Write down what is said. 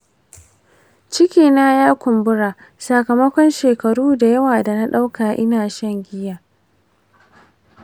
cikina ya kumbura sakamakon shekaru da yawa da na ɗauka ina shan giya.